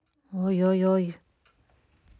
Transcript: ой ой ой